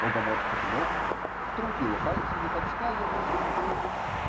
Оба морщат лоб, трут его пальцами, подсказывают друг другу